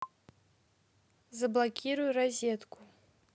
заблокируй розетку